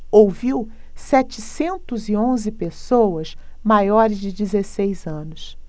ouviu setecentos e onze pessoas maiores de dezesseis anos